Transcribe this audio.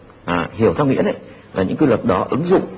hiểu theo nghĩa đấy là những quy luật đó ứng dụng